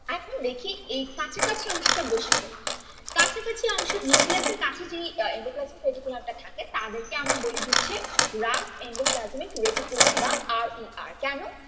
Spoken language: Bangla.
এখন দেখি এ কাছাকাছি অংশটার বৈশিষ্ট্য কি কাছাকাছি অংশটা নিউক্লিয়াস এর কাছে যে এন্ডোপ্লাজমিক রেটিকুলাম টা থাকে তাদেরকে আমরা বলি হচ্ছে রাফ এন্ডোপ্লাজমিক রেটিকুলাম বা আর ই আর কেন